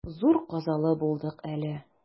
Зур казалы булдык әле.